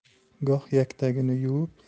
goh yaktagini yuvib